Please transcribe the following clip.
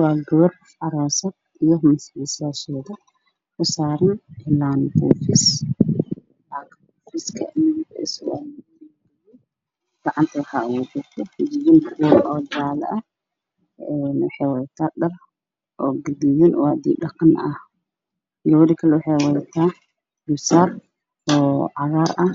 Waxay muuqda laba gabar oo umarsan yahay cilaan oo wataan